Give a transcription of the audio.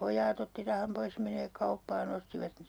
pojat otti rahan pois ja menivät kauppaan ostivat -